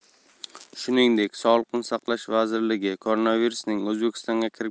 shuningdek sog'liqni saqlash vazirligi koronavirusning o'zbekistonga kirib